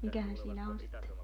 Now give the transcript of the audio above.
mikähän siinä on sitten